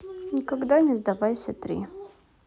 никогда не сдавайся три